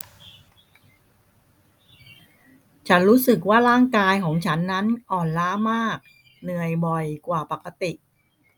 ฉันรู้สึกว่าร่างกายของฉันนั้นอ่อนล้ามากเหนื่อยบ่อยกว่าปกติ